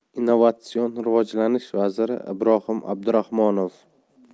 innovatsion rivojlanish vaziri ibrohim abdurahmonov